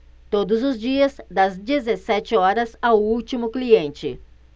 todos os dias das dezessete horas ao último cliente